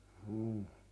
juu